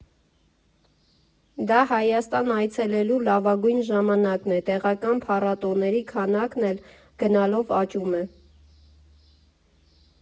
Դա Հայաստան այցելելու լավագույն ժամանակն է, տեղական փառատոների քանակն էլ գնալով աճում է։